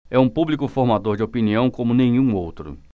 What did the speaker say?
é um público formador de opinião como nenhum outro